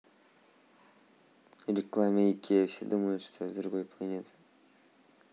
реклама икея все думают что я с другой планеты